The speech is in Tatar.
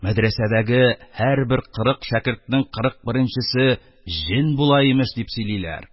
Мәдрәсәдәге һәрбер кырык шәкертнең кырык беренчесе җен була имеш...»дип сөйлиләр,